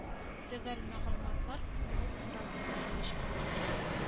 Төгал мәгълүматлар бүген соңрак билгеле булачак